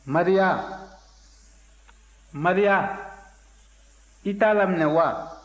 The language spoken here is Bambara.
maria maria i t'a laminɛ wa